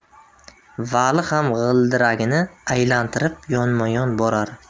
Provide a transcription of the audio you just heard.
vali ham g'ildiragini aylantirib yonma yon borar